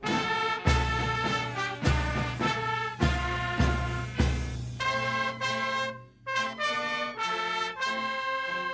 Maa mɛ mɛ